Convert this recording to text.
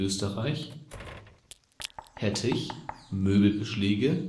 Österreich Hettich, Möbelbeschläge